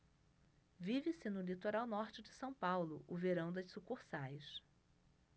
vive-se no litoral norte de são paulo o verão das sucursais